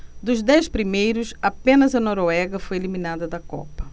dos dez primeiros apenas a noruega foi eliminada da copa